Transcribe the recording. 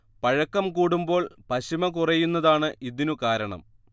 പഴക്കം കൂടുമ്പോൾ പശിമ കുറയുന്നതാണ് ഇതിനു കാരണം